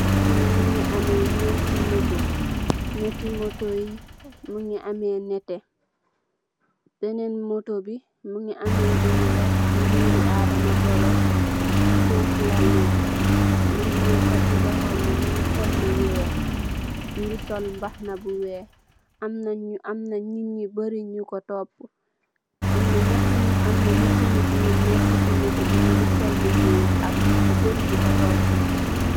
Fi munge ame nyenti motor nyetti motor bi munge ame neteh benen motor bi munge ame lu wekh ngorri adama barrow fufala nekah munge eketi luhum sul mbakhana bu wekh aman nit nyu bari nyuko topu am yenen nyetti nit nyu nekah si Motor b nyu gi sol lu niol